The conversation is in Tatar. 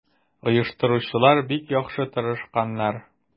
Оештыручылар бик яхшы тырышканнар.